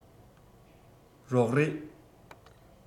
རོགས རེས